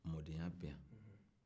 mɔdenya bɛ yan